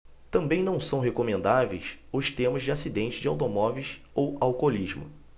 também não são recomendáveis os temas de acidentes de automóveis ou alcoolismo